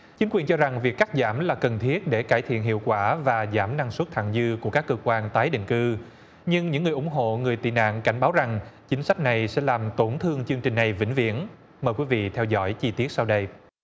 chính quyền cho rằng việc cắt giảm là cần thiết để cải thiện hiệu quả và giảm năng suất thặng dư của các cơ quan tái định cư nhưng những người ủng hộ người tị nạn cảnh báo rằng chính sách này sẽ làm tổn thương chương trình này vĩnh viễn mời quý vị theo dõi chi tiết sau đây